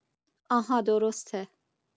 آها درسته